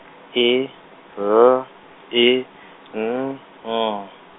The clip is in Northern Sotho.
E, L, E, N, G.